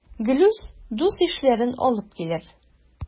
Гелүс дус-ишләрен алып килер.